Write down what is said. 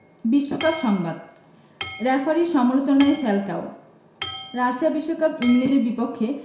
বিশ্বকাপ সংবাদ রেফারির সমালোচনায় ফ্যালকাও রাশিয়া বিশ্বকাপে ইংল্যান্ডের বিপক্ষে